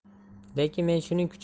lekin men shuning kuchi